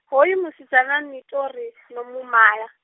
hoyu musidzana ni ṱori , no mumala.